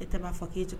E tɛ fɔ k'e cogo